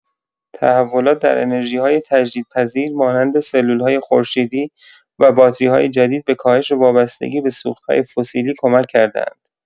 تحولات در انرژی‌های تجدیدپذیر مانند سلول‌های خورشیدی و باتری‌های جدید به کاهش وابستگی به سوخت‌های فسیلی کمک کرده‌اند.